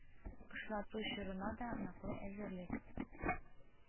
Кышлату чорына да ныклы әзерлек